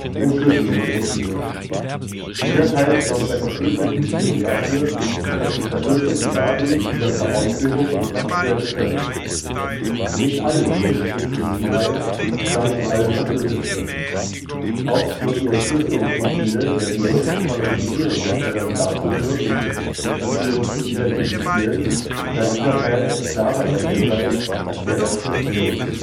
Entschlüsselungsroutine: Dieser Teil sorgt bei verschlüsselten Viren dafür, dass die verschlüsselten Daten wieder zur Ausführung gebracht werden können. Nicht alle Viren besitzen diesen Teil, da nicht alle verschlüsselt sind. Oft wird die Entschlüsselungsroutine der Viren von Antiviren-Herstellern dazu benutzt, das Virus zu identifizieren, da dieser Teil oft klarer erkennbar ist als der Rest des Virus